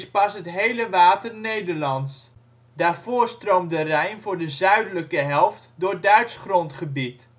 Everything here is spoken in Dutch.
pas het hele water Nederlands. Daarvoor stroomt de Rijn voor de (zuidelijke) helft door Duits grondgebied